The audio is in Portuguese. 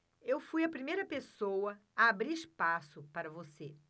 eu fui a primeira pessoa a abrir espaço para você